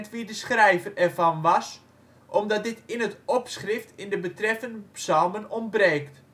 wie de schrijver ervan was, omdat dit in het opschrift in de betreffende psalmen ontbreekt